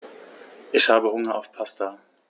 Ich habe Hunger auf Pasta.